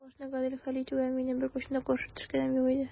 Талашны гадел хәл итүгә минем беркайчан да каршы төшкәнем юк.